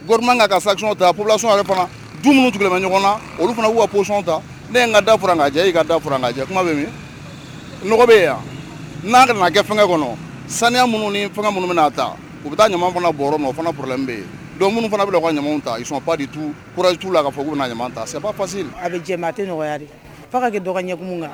Sa ta minnu ɲɔgɔn na olu fana wa psɔnɔn ta ne ye ka da naa' ka da naa kuma min bɛ yen yan n'a nana kɛ fanga kɔnɔ saniya minnu ni fanga minnu bɛ'a ta u taa ɲuman fana b o fanalen bɛ yen don minnu fana bɛ ka ta' la ka fɔ ta a bɛ jɛ a tɛ nɔgɔya fa ka kɛ dɔgɔ ɲɛ kan